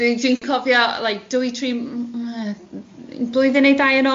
Dwi'n dwi'n cofio like dwy, tri m- yy blwyddyn neu' ddau yn